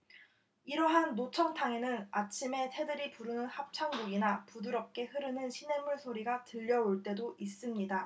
이러한 노천탕에는 아침에 새들이 부르는 합창곡이나 부드럽게 흐르는 시냇물 소리가 들려올 때도 있습니다